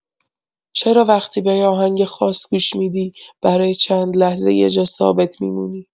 چرا وقتی به یه آهنگ خاص گوش می‌دی، برای چند لحظه یه جا ثابت می‌مونی؟